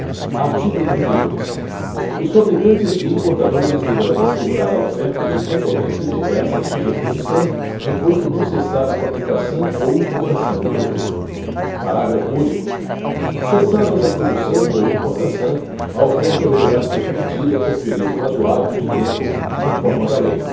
artigo trinta e dois os fabricantes e importadores deverão assegurar a oferta de componentes e peças de reposição enquanto não cessar a fabricação ou importação do produto parágrafo único cessadas a produção ou importação a oferta deverá ser mantida por período razoável de tempo na forma da lei